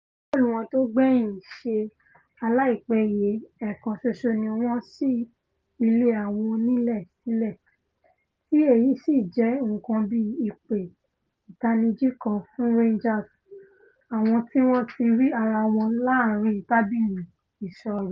Bọ́ọ̀lù wọn tó gbẹ̀yìn ṣe aláìpéye - ẹ̀ẹ̀kan ṣoṣo ni wọ́n sí ilé awọn onílé sílẹ̀ - tí èyí sì jẹ nǹkan bíi ìpè ìtanijí kan fún Rangers, àwọn tí wọn ti rí ara wọn láàrin tábìlì ìṣòrí.